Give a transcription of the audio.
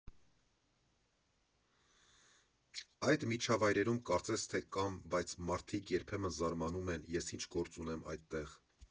Այդ միջավայրերում կարծես թե կամ, բայց մարդիկ երբեմն զարմանում են՝ ես ինչ գործ ունեմ այդտեղ։